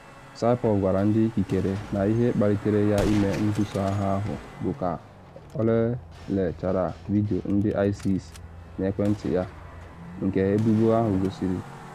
Saipov gwara ndị ikikere na ihe kpalitere ya ịme mbuso agha ahụ bụ ka ọ lelechara vidio ndị ISIS n’ekwentị ya, nke ebubo ahụ gosiri.